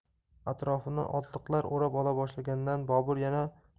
atrofini otliqlar o'rab ola boshlaganda bobur